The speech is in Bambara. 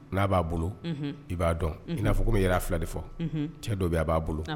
N'a b'a bolo i b'a dɔn i n'a komi i yɛrɛ y'a fila de fɔ cɛ dɔ bɛ yen a b'a bolo